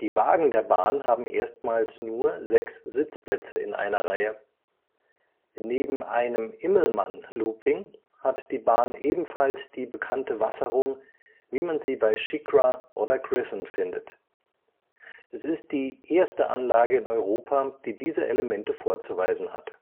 Wagen der Bahn haben erstmals nur sechs Sitzplätze in einer Reihe. Neben einem Immelmann-Looping hat die Bahn ebenfalls die bekannte Wasserung, wie man sie bei SheiKra oder Griffon findet. Es ist die erste Anlage in Europa, die diese Elemente vorzuweisen hat